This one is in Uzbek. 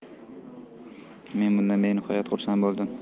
men bundan benihoyat xursand bo'ldim